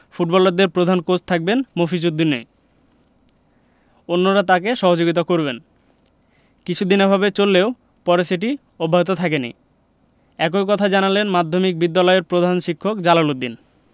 ফুটবলারদের প্রধান কোচ থাকবেন মফিজ উদ্দিনই অন্যরা তাঁকে সহযোগিতা করবেন কিছুদিন এভাবে চললেও পরে সেটি অব্যাহত থাকেনি একই কথা জানালেন মাধ্যমিক বিদ্যালয়ের প্রধান শিক্ষক জালাল উদ্দিন